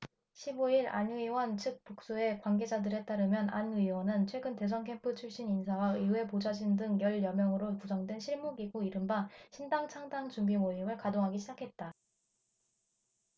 십 오 일 안 의원 측 복수의 관계자들에 따르면 안 의원은 최근 대선캠프 출신 인사와 의회 보좌진 등 열 여명으로 구성된 실무기구 이른바 신당창당준비모임을 가동 하기 시작했다